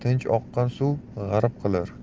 tinch oqqan suv g'arq qilar